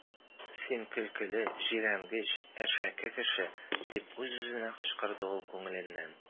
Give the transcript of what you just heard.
Син көлкеле, җирәнгеч, әшәке кеше! - дип үз-үзенә кычкырды ул күңеленнән.